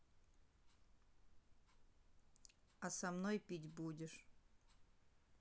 а со мной пить будешь